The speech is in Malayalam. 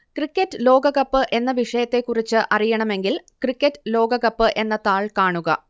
ക്രിക്കറ്റ് ലോകകപ്പ് എന്ന വിഷയത്തെക്കുറിച്ച് അറിയണമെങ്കിൽ ക്രിക്കറ്റ് ലോകകപ്പ് എന്ന താൾ കാണുക